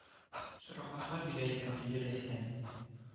Сораганга бирә икән , диде Ләйсән